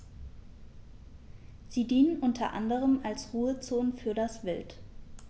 Sie dienen unter anderem als Ruhezonen für das Wild.